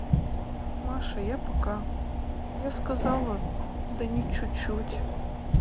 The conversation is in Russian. маша я пока я сказала да не чуть чуть